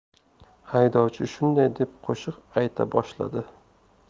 haydovchi shunday deb qo'shiq ayta boshladi